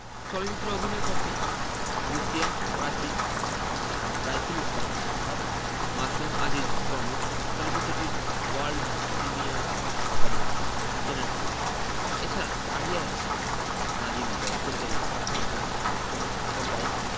চলচ্চিত্রে অভিনয় করেছেন রোকেয়া প্রাচী রাইসুল ইসলাম আসাদ মাসুম আজিজ প্রমুখ চলচ্চিত্রটির ওয়ার্ল্ড পিমিয়ার হবে চ্যানেল আইতে এ ছাড়া শাহরিয়ার নাজিম জয় পরিচালিত পার্থনা চলচ্চিত্রটি ছোট পর্দায়